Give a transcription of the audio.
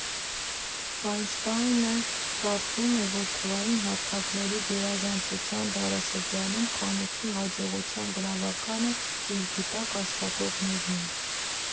Վայնշտայնը կարծում է, որ թվային հարթակների գերազանցության դարաշրջանում խանութի հաջողության գրավականը իր գիտակ աշխատողներն են։